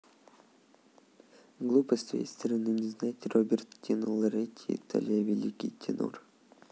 глупо с твоей стороны не знать роберт тину лоретти италия великий тенор